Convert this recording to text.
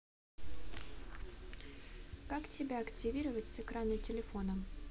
как тебя активировать с экрана телефона